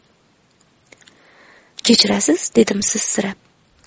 kechirasiz dedim sizsirab